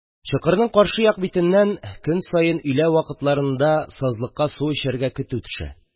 Чокырның каршы як битеннән көн саен өйлә вакытларында сазлыкка су эчәргә көтү төшә.